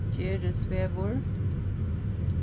gerðisvegur